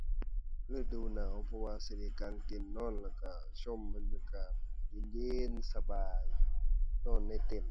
ฤดูหนาว เพราะว่าสิได้กางเต็นท์นอน แล้วก็ชมบรรยากาศเย็นเย็นสบาย นอนในเต็นท์